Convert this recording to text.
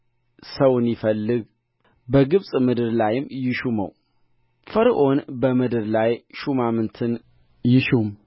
ሰውን ይፈልግ በግብፅ ምድር ላይም ይሹመው ፈርዖን በምድር ላይ ሹማምትን ይሹም